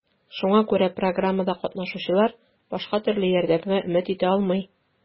Шуңа күрә программада катнашучылар башка төрле ярдәмгә өмет итә алмый.